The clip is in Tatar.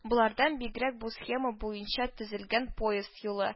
Болардан бигрәк, бу схема буенча төзелгән поезд юлы